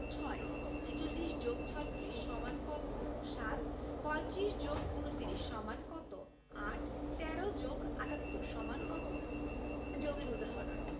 ৬ ৪৬ + ৩৬ = কত ৭ ৩৫ + ২৯ = কত ৮ ১৩ + ৭৮ = কত যোগের উদাহরণ